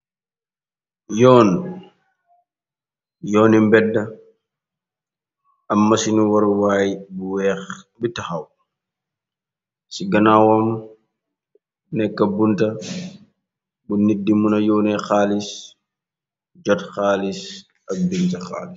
Yoon yooni mbeda am masinu waruwaay bu weex bi taxaw ci ganaawaam nekka bunta bu nitt di muna yoone xaalis jot xaalis ak dencca xaalis.